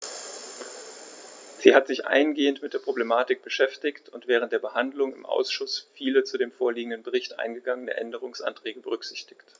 Sie hat sich eingehend mit der Problematik beschäftigt und während der Behandlung im Ausschuss viele zu dem vorliegenden Bericht eingegangene Änderungsanträge berücksichtigt.